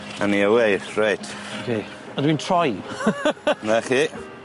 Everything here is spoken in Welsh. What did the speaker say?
A ni awê reit. Ydi a dwi'n troi. 'Na chi.